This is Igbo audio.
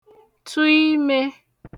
tụ ime